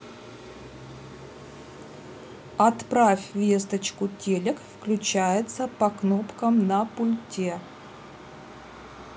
отправь весточку телек включается по кнопкам на пульте